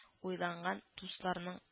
Уйланган дусларның